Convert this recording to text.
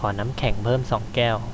ขอน้ำแข็งเพิ่มสองแก้ว